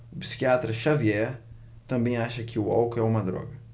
o psiquiatra dartiu xavier também acha que o álcool é uma droga